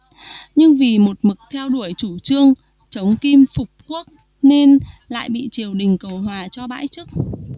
nhưng vì một mực theo đuổi chủ trương chống kim phục quốc nên lại bị triều đình cầu hòa cho bãi chức